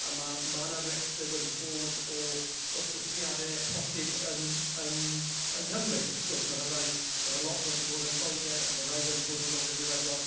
a ma' ma' 'na restr wedi bod o wrthdystiadau posib yn yng yng Nghymru, wrth gwrs ma' 'na rai ma' 'na lot wedi bod yn Lloegr, a ma' rai wedi bod yn Gogledd Iwerddon.